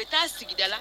I bɛ taa sigida